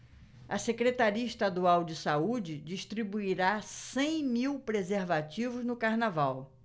a secretaria estadual de saúde distribuirá cem mil preservativos no carnaval